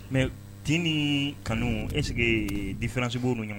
Mɛ tini kanu ese di fanasi' ɲɔgɔn